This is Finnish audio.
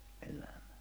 elämä